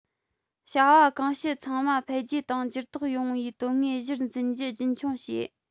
བྱ བ གང བྱེད ཚང མ འཕེལ རྒྱས དང འགྱུར ལྡོག ཡོང བའི དོན དངོས གཞིར འཛིན རྒྱུ རྒྱུན འཁྱོངས བྱས